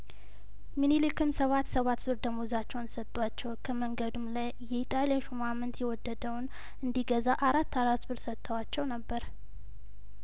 ምንሊክም ሰባት ሰባት ብር ደሞዛቸውን ሰጧቸው ከመንገዱም ላይ የኢጣሊያ ሹማምንት የወደደውን እንዲገዛ አራት አራት ብር ሰጥተዋቸው ነበር